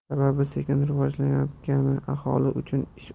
sababi sekin rivojlanayotgani aholi uchun ish